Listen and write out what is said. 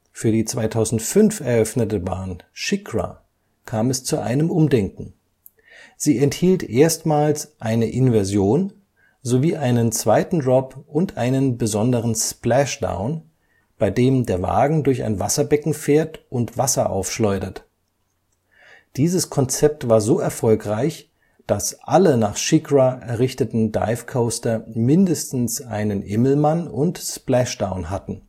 die 2005 eröffnete Bahn SheiKra kam es zu einem Umdenken. Sie enthielt erstmals eine Inversion, sowie einen zweiten Drop und einen besonderen Splashdown, bei dem der Wagen durch ein Wasserbecken fährt und Wasser aufschleudert. Dieses Konzept war so erfolgreich, dass alle nach SheiKra errichteten Dive Coaster mindestens einen Immelmann und Splashdown hatten